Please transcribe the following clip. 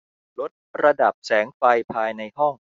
ลดระดับแสงไฟภายในห้อง